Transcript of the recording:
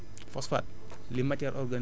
ñoom ñoo xaw a niróo njëriñ ci suuf